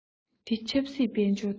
དེའི ཆབ སྲིད དཔལ འབྱོར དང